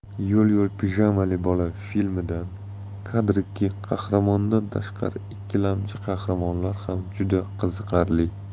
yo'l yo'l pijamali bola filmidan kadrikki qahramondan tashqari ikkilamchi qahramonlar ham juda qiziqarli